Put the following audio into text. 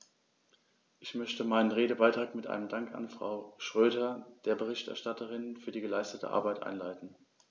Ich möchte meinen Redebeitrag mit einem Dank an Frau Schroedter, der Berichterstatterin, für die geleistete Arbeit einleiten.